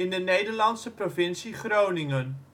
de Nederlandse provincie Groningen